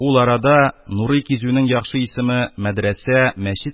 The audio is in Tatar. Ул арада Нурый кизүнең яхшы исеме мәдрәсә, мәчет